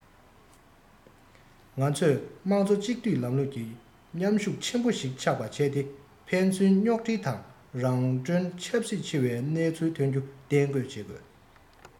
ང ཚོས དམངས གཙོ གཅིག སྡུད ལམ ལུགས ཀྱི མཉམ ཤུགས ཆེན པོ ཞིག ཆགས པ བྱས ཏེ ཕན ཚུན རྙོག འཁྲིལ དང རང གྲོན ཚབས ཆེ བའི སྣང ཚུལ ཐོན རྒྱུ གཏན འགོག བྱེད དགོས